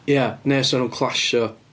Ie neu 'sen nhw'n clasio.